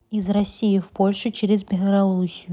из россии в польшу через белоруссию